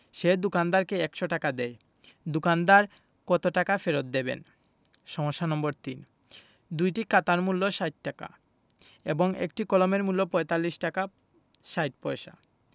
সে দোকানদারকে ১০০ টাকা দেয় দোকানদার কত টাকা ফেরত দেবেন সমস্যা নম্বর ৩ দুইটি খাতার মূল্য ৬০ টাকা এবং একটি কলমের মূল্য ৪৫ টাকা ৬০ পয়সা